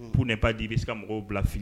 Ko ne baa di bɛ se mɔgɔw bila fili